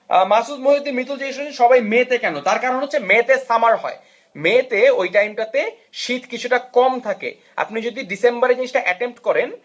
মাসুদ মহিউদ্দিন মিতুল জিজ্ঞাসা করেছে সবাই মে তে কেন তার কারণ হচ্ছে মে তে সামার হয় মে তে ওই টাইমটা তে শীত কিছুটা কম থাকে আপনি যদি ডিসেম্বরে জিনিসটা এটেম্পট করেন